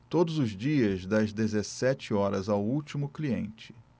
todos os dias das dezessete horas ao último cliente